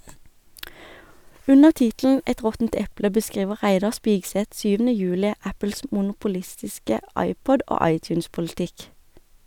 Under tittelen "Et råttent eple" beskriver Reidar Spigseth 7. juli Apples monopolistiske iPod- og iTunes-politikk.